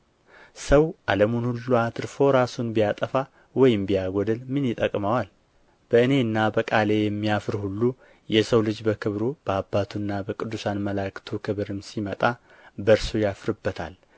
ሰው ዓለሙን ሁሉ አትርፎ ራሱን ቢያጠፋ ወይም ቢያጐድል ምን ይጠቅመዋል በእኔና በቃሌ የሚያፍር ሁሉ የሰው ልጅ በክብሩ በአባቱና በቅዱሳን መላእክቱ ክብርም ሲመጣ በእርሱ ያፍርበታል